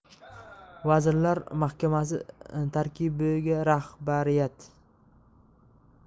vazirlar mahkamasi tarkibirahbariyat